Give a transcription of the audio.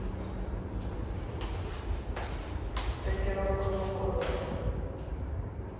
котировка лукойла